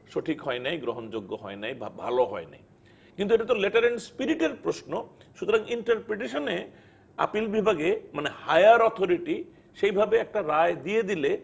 সঠিক হয় নাই গ্রহণযোগ্য হয় নাই বা ভাল হয় নাই কিন্তু এটা তো লেটার এন্ড স্পিরিট এর প্রশ্ন সুতরাং ইন্টারপ্রিটেশনে আপিল বিভাগে মানে হায়ার অথরিটি সেইভাবে একটা রায় দিয়ে দিলে